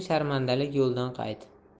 sharmandalik yo'ldan qayt